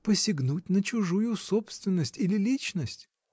— Посягнуть на чужую собственность или личность.